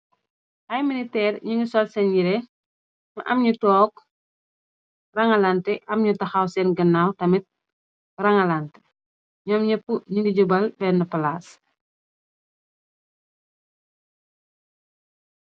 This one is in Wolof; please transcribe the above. Ay miniteer ñu ñu sol seen yire ñu am ñu took rangalante am ñu taxaw seen ginnaaw tamit rangalante ñoom ñepp ñi ni jóbal venn palaas.